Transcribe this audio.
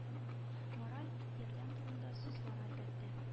Мораль ярдәм турында сүз бара әлбәттә